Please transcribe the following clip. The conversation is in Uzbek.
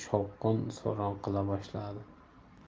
shovqin suron qila boshladi